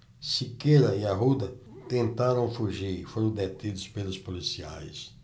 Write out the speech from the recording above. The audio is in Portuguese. siqueira e arruda tentaram fugir e foram detidos pelos policiais